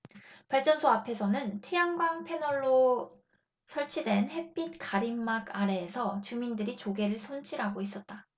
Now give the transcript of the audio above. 발전소 앞에서는 태양광 패널로 설치된 햇빛 가림막 아래에서 주민들이 조개를 손질하고 있었다